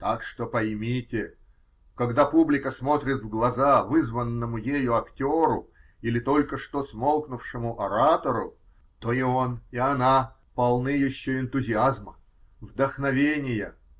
Так что, поймите, когда публика смотрит в глаза вызванному ею актеру или только что смолкнувшему оратору, то и он, и она полны еще энтузиазма, вдохновения.